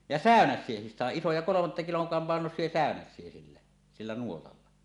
ja säynäviä sain isoja kolmatta kilon - painoisia säynäviä sillä sillä nuotalla